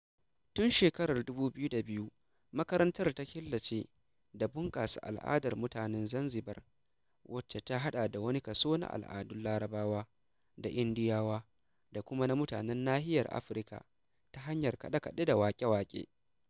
Tun shekarar 2002, makarantar ta killace tare da bunƙasa al'adar mutanen Zanzibar wacce ta haɗa da wani kaso na al'adun Larabawa da Indiyawa da kuma na mutanen nahiyar Afrika ta hanyar kaɗe-kaɗe da waƙe-waƙe.